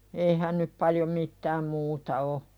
eihän nyt paljon mitään muuta ole